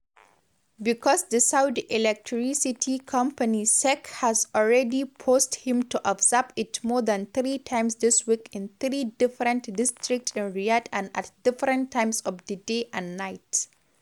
Because the Saudi Electricity Company (SEC) has already forced him to observe it more than three times this week in three different districts in Riyadh and at different times of the day and night.